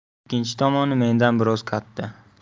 ikkinchi tomoni mendan biroz katta